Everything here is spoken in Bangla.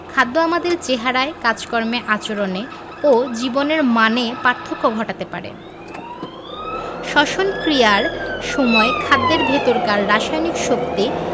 খাদ্য আমাদের চেহারায় কাজকর্মে আচরণে ও জীবনের মানে পার্থক্য ঘটাতে পারে শ্বসন ক্রিয়ার সময় খাদ্যের ভেতরকার রাসায়নিক শক্তি